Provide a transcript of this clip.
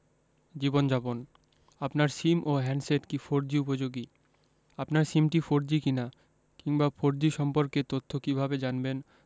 জীবনযাপন আপনার সিম ও হ্যান্ডসেট কি ফোরজি উপযোগী আপনার সিমটি ফোরজি কিনা কিংবা ফোরজি সম্পর্কে তথ্য কীভাবে জানবেন